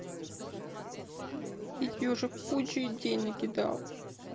я тебе уже кучу идей накидал